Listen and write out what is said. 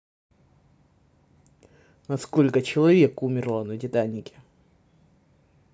а сколько человек умерло на титанике